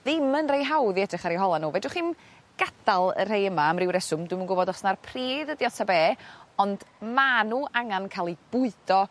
ddim yn rei hawdd i edrych ar eu hola' n'w fedrwch chi'm gadal y rhei yma am ryw reswm dw'm yn gwbod os 'na'r pridd ydi o ta be' ond ma' n'w angan ca'l 'u bwydo